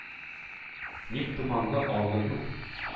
Ник томанлы алгы юл?